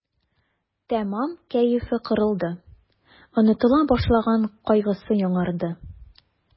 Тәмам кәефе кырылды, онытыла башлаган кайгысы яңарды.